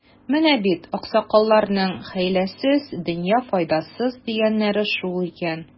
Менә бит, аксакалларның, хәйләсез — дөнья файдасыз, дигәннәре шул икән.